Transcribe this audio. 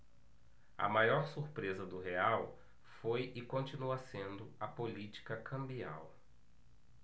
a maior surpresa do real foi e continua sendo a política cambial